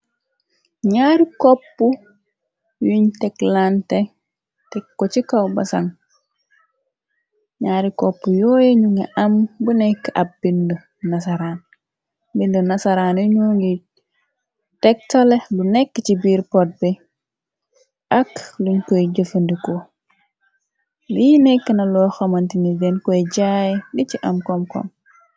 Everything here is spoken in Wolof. Nyaari koppu yuñ tek lante te ko ci kaw basaŋ ñyaari koppu yooye ñu nga am bu nekk ab bindu nasaraan bind nasaraan yuñu ngi teg tale lu nekk ci biir pot bi ak luñ koy jëfandiko li nekk na loo xamanti ni den koy jaaye di ci am kom-kom.